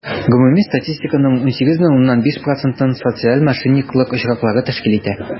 Гомуми статистиканың 18,5 процентын социаль мошенниклык очраклары тәшкил итә.